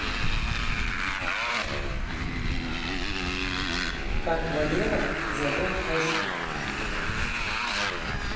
как валера завел кошку